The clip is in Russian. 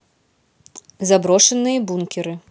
заброшенные бункеры